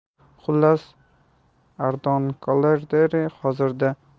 xullas adron kollayderi hozirda